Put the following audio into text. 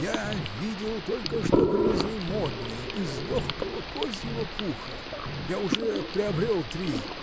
Я видел, только что привезли модные, из легкого козьего пуха. Я уже приобрел три.